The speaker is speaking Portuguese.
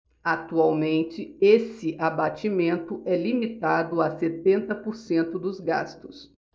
atualmente esse abatimento é limitado a setenta por cento dos gastos